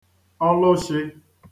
ọlụshị̄